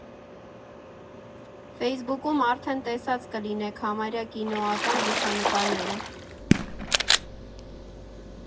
Ֆեյսբուքում արդեն տեսած կլինեք համարյա կինոական լուսանկարները։